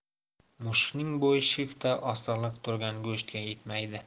mushukning bo'yi shiftda osig'liq turgan go'shtga yetmaydi